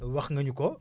wax nga ñu ko